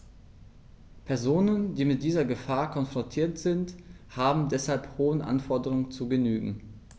Personen, die mit dieser Gefahr konfrontiert sind, haben deshalb hohen Anforderungen zu genügen.